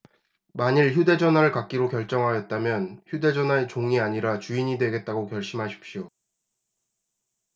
만일 휴대 전화를 갖기로 결정하였다면 휴대 전화의 종이 아니라 주인이 되겠다고 결심하십시오